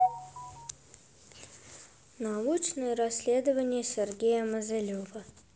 научные расследования сергея мозылева